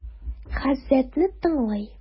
Хәзрәтне тыңлый.